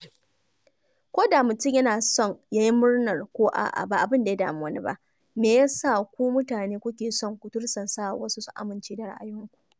Ko da mutum yana son ya yi murnar ko a'a ba abin da ya dami wani ba, me ya sa ku mutane kuke son ku tursasawa wasu su amince da ra'ayinku?